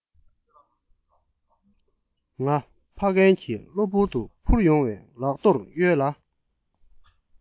ང ཕ རྒན གྱི གློ བུར དུ འཕུར ཡོང བའི ལག རྡོར གཡོལ ལ